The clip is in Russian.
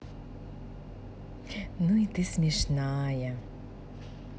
ну и ты смешная